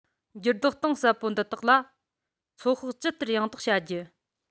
འགྱུར ལྡོག གཏིང ཟབ པོ འདི དག ལ ཚོད དཔག ཇི ལྟར ཡང དག བྱ རྒྱུ